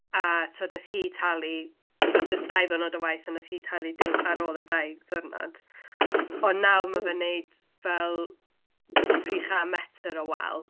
A, tibod, wnaeth hi talu, tibod, jyst dau ddiwrnod o waith, a wnaeth hi talu diw- ar ôl y dau ddiwrnod, ond nawr... M-hm. ...ma fe'n wneud fel tri chant metr o wal.